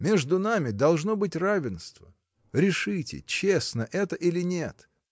Между нами должно быть равенство. Решите, честно это, или нет?